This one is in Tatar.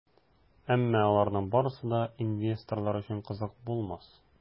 Әмма аларның барысы да инвесторлар өчен кызык булмас.